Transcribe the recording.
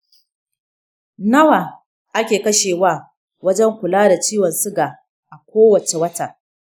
nawa ake kashewa wajen kula da ciwon suga a kowace wata?